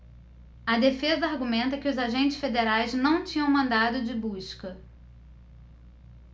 a defesa argumenta que os agentes federais não tinham mandado de busca